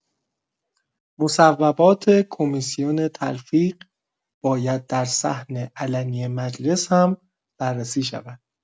مصوبات کمیسیون تلفیق باید در صحن علنی مجلس هم بررسی شود؛